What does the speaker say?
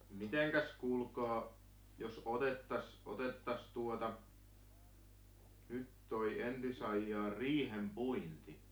miten kuulkaa jos otettaisiin otettaisiin tuota nyt tuo entisajan riihenpuinti